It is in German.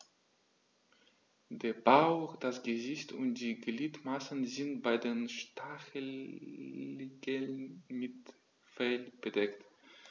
Der Bauch, das Gesicht und die Gliedmaßen sind bei den Stacheligeln mit Fell bedeckt.